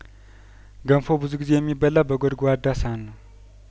ገንፎ ብዙ ጊዜ የሚበላው በጐድጓዳ ሳህን ነው